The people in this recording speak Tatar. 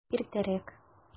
Иртәрәк!